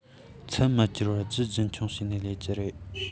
ཚུལ མི སྒྱུར བར རྒྱུ རྒྱུན འཁྱོངས བྱས ནས ལས རྒྱུ རེད